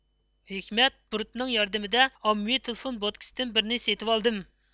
ھېكمەت بۇرۇتنىڭ ياردىمىدە ئاممىۋى تېلېفون بوتكىسىدىن بىرنى سېتىۋالدىم